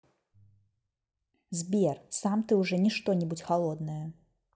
сбер сам ты уже не что нибудь холодное